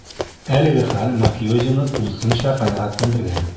Әлеге хәл мафиозины тулысынча канәгатьләндергән: